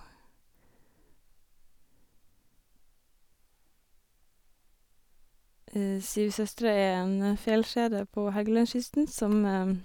Syv søstre er en fjellkjede på Helgelandskysten som...